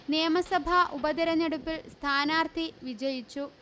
നിയമസഭാ ഉപതെരഞ്ഞെടുപ്പില് സ്ഥാനാര്ത്ഥി വിജയിച്ചു